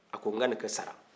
a ko n kanukɛ sara